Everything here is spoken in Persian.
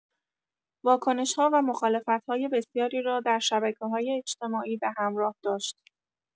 واکنش‌ها و مخالفت‌های بسیاری را در شبکه‌های اجتماعی به همراه داشت.